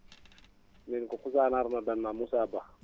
Moussa Ba